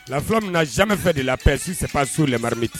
La flamme n'a jamais fait de la paix si c'est pas sous les marmites